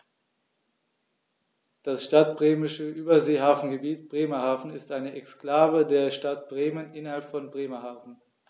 Das Stadtbremische Überseehafengebiet Bremerhaven ist eine Exklave der Stadt Bremen innerhalb von Bremerhaven.